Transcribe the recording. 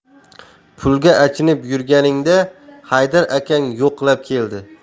pulga achinib yurganingda haydar akang yo'qlab keldi